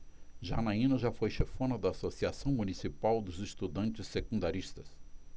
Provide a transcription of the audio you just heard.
janaina foi chefona da ames associação municipal dos estudantes secundaristas